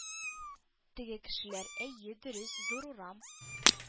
Теге кешеләр: Әйе, дөрес, зур урам,